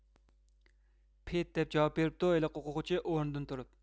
پېد دەپ جاۋاب بېرىپتۇ ھېلىقى ئوقۇغۇچى ئورنىدىن تۇرۇپ